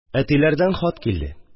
Әтиләрдән хат килде